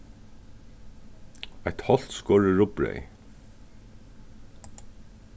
eitt hálvt skorið rugbreyð